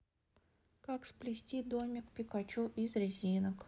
как сплести домик пикачу из резинок